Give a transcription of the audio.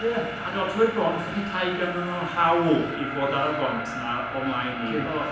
Ie, a dod trwy'r bont, petai ganddyn nhw hawl i fod ar y bont 'na o mlaen i... Cyn. ...O!